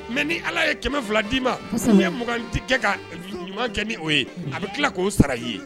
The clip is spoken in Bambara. Mɛ ni ala ye kɛmɛ fila d'i ma kɛ ka ɲuman kɛ ni o ye a bɛ tila k'o sara i ye